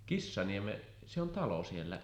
Kissaniemen se on talo siellä